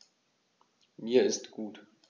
Mir ist gut.